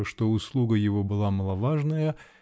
что услуга его была маловажная.